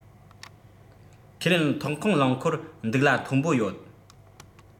ཁས ལེན ཐོག ཁང རླངས འཁོར འདུག གླ མཐོ པོ ཡོད